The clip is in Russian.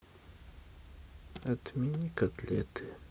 отмени котлеты